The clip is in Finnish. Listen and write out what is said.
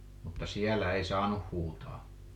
mutta siellä ei saanut huutaa